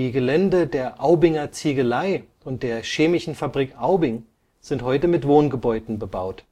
Gelände der Aubinger Ziegelei und der Chemischen Fabrik Aubing sind heute mit Wohngebäuden bebaut